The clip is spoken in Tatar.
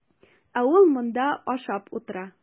Ә ул монда ашап утыра.